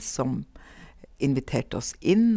Som inviterte oss inn.